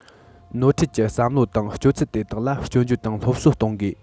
ནོར འཁྲུལ གྱི བསམ བློ དང སྤྱོད ཚུལ དེ དག ལ སྐྱོན བརྗོད དང སློབ གསོ གཏོང དགོས